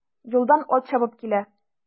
Юлдан ат чабып килә.